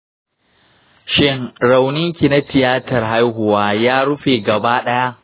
shin rauninki na tiyatar haihuwa ya rufe gaba ɗaya?